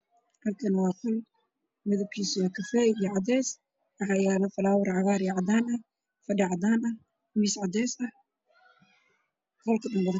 Meeshan waa qol waxaa yaalo muxuu ahaa ubax